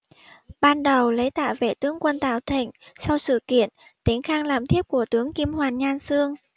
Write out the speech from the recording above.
ban đầu lấy tả vệ tướng quân tào thịnh sau sự kiện tĩnh khang làm thiếp của tướng kim hoàn nhan xương